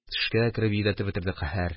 Төшкә кереп йөдәтеп бетерде, каһәр.